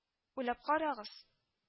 Уйлап карагыз